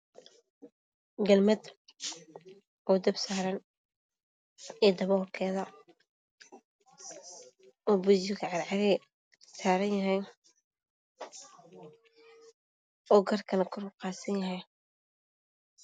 Jalmad oo dab saaran iyo daboolkeeda oo burjiko cagcagey saaran yahay oo karku kor u qaadsan yahay.